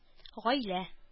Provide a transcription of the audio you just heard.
Гаилә